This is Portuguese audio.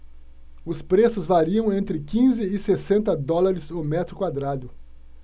os preços variam entre quinze e sessenta dólares o metro quadrado